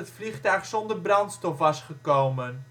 vliegtuig zonder brandstof was gekomen